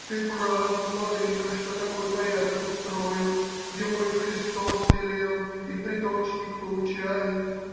ты прав, владыко, что такой порядок устроил, его и Христос велел, и приточник поучает